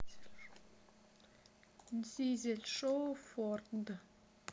дизель шоу форд